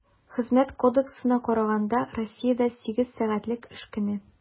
Хезмәт кодексына караганда, Россиядә сигез сәгатьлек эш көне.